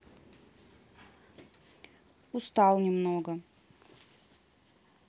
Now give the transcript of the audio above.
устал немного